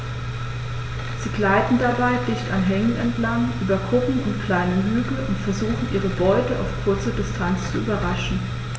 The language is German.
Sie gleiten dabei dicht an Hängen entlang, über Kuppen und kleine Hügel und versuchen ihre Beute auf kurze Distanz zu überraschen.